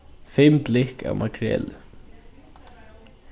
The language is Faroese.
fimm blikk av makreli